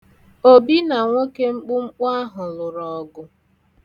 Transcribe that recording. Obi na nwoke mkpụmkpụ ahụ lụrụ ọgụ.